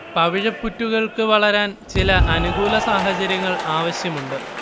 പവിഴപ്പുറ്റുകൾക്ക് വളരാൻ ചില അനുകൂല സാഹചര്യങ്ങൾ ആവശ്യമുണ്ട്